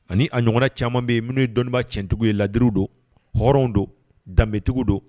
Ani a ɲɔgɔnna caman bɛ ye minnuu ye dɔnniba cɛntigiw ye ladiuru don hɔrɔn don danbebetigiw don